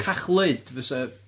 Cachlyd fysa...